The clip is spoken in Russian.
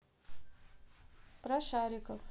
про шариков